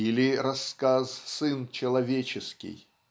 Или - рассказ "Сын человеческий".